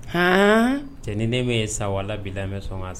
Hɔn cɛn ni ne min ye sawabila an bɛ sɔn